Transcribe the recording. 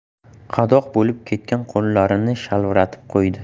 qadoq bo'lib ketgan qo'llarini shalviratib qo'ydi